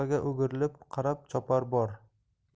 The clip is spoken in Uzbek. o'girilib qarab chopar bor